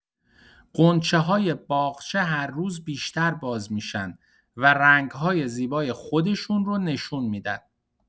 غنچه‌های باغچه هر روز بیشتر باز می‌شن و رنگ‌های زیبای خودشون رو نشون می‌دن.